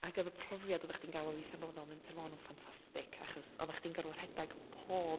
ag o'dd y profiad odda chdi'n ga'l o withio fe- fel Menter Môn yn ffantastic achos odda chdi'n gyr'od rhedag